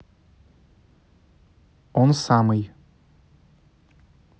он самый